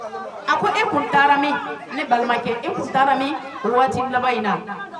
A ko e taara min ne balimakɛ e taara min ? Nin waati laban in na.